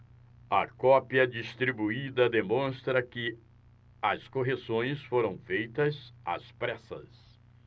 a cópia distribuída demonstra que as correções foram feitas às pressas